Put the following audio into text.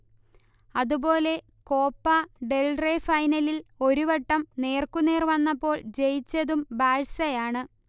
അതുപോലെ Copa del Rey ഫൈനലിൽ ഒരു വട്ടം നേർക്കുനേർ വന്നപ്പോൾ ജയിച്ചതും ബാഴ്സയാണ്